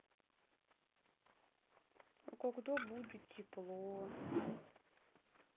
а когда будет тепло